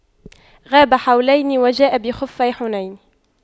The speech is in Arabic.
غاب حولين وجاء بِخُفَّيْ حنين